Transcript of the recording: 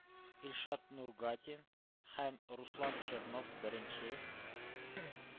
Илшат Нургатин һәм Руслан Чернов – беренче,